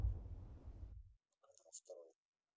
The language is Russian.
канал второй